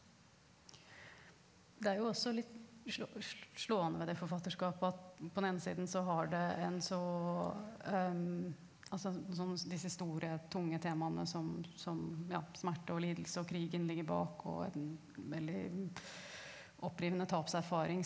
det er jo også litt slående ved det forfatterskapet at på den ene siden så har det en så altså sånn disse store tunge temaene som som ja smerte og lidelse og krigen ligger bak og et veldig opprivende tapserfaring,